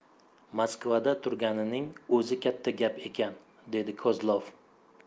moskvada turganining o'zi katta gap ekan dedi kozlov